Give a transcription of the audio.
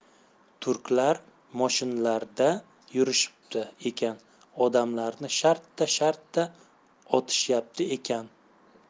turklar moshinlarda yurishibdi ekan odamlarni shartta shartta otishyapti ekan